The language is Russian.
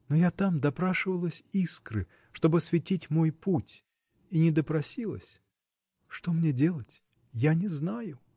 Но я там допрашивалась искры, чтоб осветить мой путь, — и не допросилась. Что мне делать? — я не знаю.